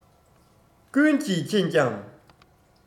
ན གྱིས མཁྱེན ཀྱང